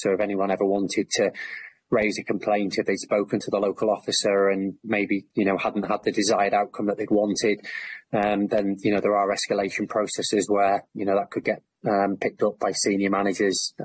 so if anyone ever wanted to raise a complaint if they'd spoken to the local officer and maybe you know hadn't had the desired outcome that they'd wanted um then you know there are escalation processes where you know that could get um picked up by senior managers,